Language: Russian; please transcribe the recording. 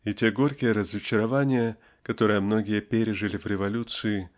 И те горькие разочарования, которые многие пережили в революции.